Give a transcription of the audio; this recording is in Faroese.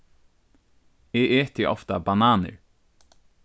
eg eti ofta bananir